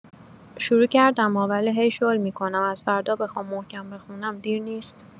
شروع کردما ولی هی شل می‌کنم از فردا بخوام محکم بخونم، دیر نیست؟